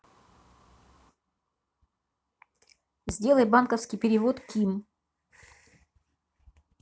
сделай банковский перевод ким